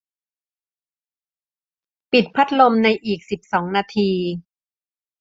ปิดพัดลมในอีกสิบสองนาที